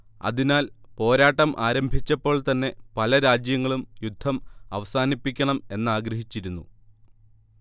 അതിനാൽ പോരാട്ടം ആരംഭിച്ചപ്പോൾ തന്നെ പല രാജ്യങ്ങളും യുദ്ധം അവസാനിപ്പിക്കണം എന്നാഗ്രഹിച്ചിരുന്നു